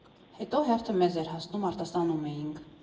Հետո հերթը մեզ էր հասնում՝ արտասանում էինք։